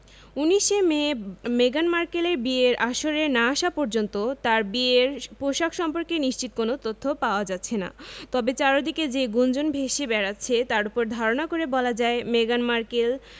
১৯ May মেগান মার্কেলের বিয়ের আসরে না আসা পর্যন্ত তাঁর বিয়ের পোশাক সম্পর্কে নিশ্চিত কোনো তথ্য দেওয়া যাচ্ছে না তবে চারদিকে যে গুঞ্জন ভেসে বেড়াচ্ছে তার ওপর ধারণা করে বলা যায় মেগান মার্কেল